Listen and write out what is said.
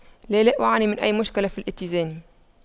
لا لا اعاني من أي مشكلة في الاتزان